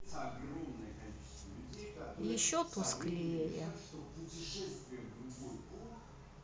еще тусклее